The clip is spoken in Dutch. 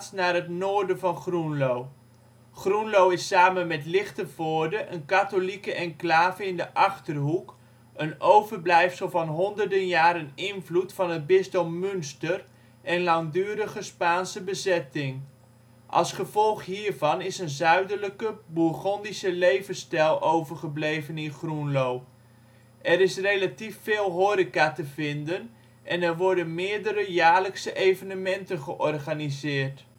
naar het noorden van Groenlo. Groenlo is samen met Lichtenvoorde een katholieke enclave in de Achterhoek, een overblijfsel van honderden jaren invloed van het Bisdom Münster en langdurige Spaanse bezetting. Als gevolg hiervan is een zuidelijke, bourgondische levensstijl overgebleven in Groenlo. Er is relatief veel horeca te vinden en er worden meerdere jaarlijkse evenementen georganiseerd